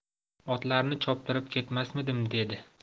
otlarni choptirib ketmasmidim dedi